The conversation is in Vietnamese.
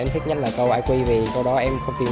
em thích nhất là câu ai quy vì câu đó em không tìm